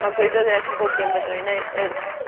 ma' gwleidyddiaeth yn bob dim fedra i neu- yy